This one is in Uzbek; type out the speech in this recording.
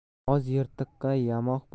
oz yirtiqqa yamoq